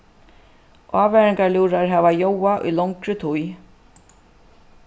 ávaringarlúðrar hava ljóðað í longri tíð